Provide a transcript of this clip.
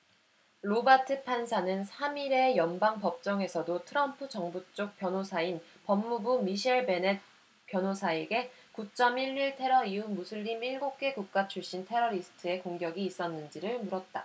로바트 판사는 삼 일의 연방법정에서도 트럼프 정부쪽 변호사인 법무부의 미셀 베넷 변호사에게 구 쩜 일 일 테러 이후 무슬림 일곱 개국가 출신 테러리스트의 공격이 있었는지를 물었다